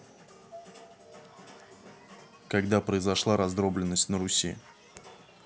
когда произошла раздробленность на руси